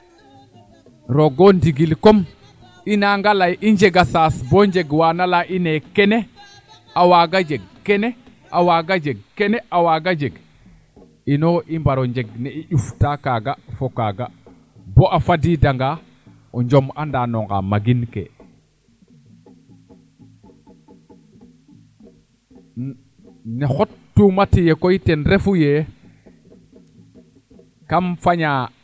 roogo ndingil comme i naanga ley i njega sens boo njeng waa na leya inee kene a waaga jeg kene a waaga jeg kene a waaga jeg ino i mbaro njeng nee i njufta kaaga fo kaaga bo a fadiida ngaao njom'aano nga magin keene xot tuuma tiye koy ten refu yee kam fañaa